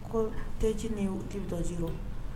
Ko tɛc ni tetɔsi